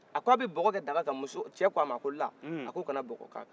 a ko bɛ bɔgɔ kɛ daga kan cɛ k'a ma ko lah a k'a kana bɔgɔ kɛ aka